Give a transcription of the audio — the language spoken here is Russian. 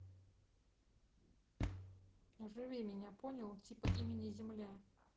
живи меня понял типа имени земля